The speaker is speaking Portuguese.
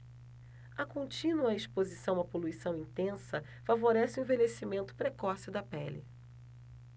a contínua exposição à poluição intensa favorece o envelhecimento precoce da pele